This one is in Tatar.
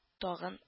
Тагын